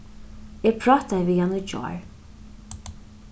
eg prátaði við hann í gjár